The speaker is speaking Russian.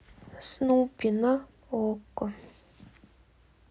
снупи на окко